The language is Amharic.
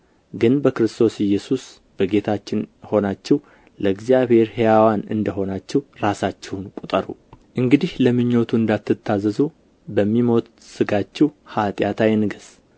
ግን በክርስቶስ ኢየሱስ በጌታችን ሆናችሁ ለእግዚአብሔር ሕያዋን እንደ ሆናችሁ ራሳችሁን ቈጠሩ እንግዲህ ለምኞቱ እንድትታዘዙ በሚሞት ሥጋችሁ ኃጢአት አይንገሥ